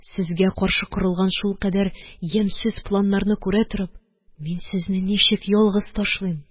Сезгә каршы корылган шулкадәр ямьсез планнарны күрә торып, мин сезне ничек ялгыз ташлыйм!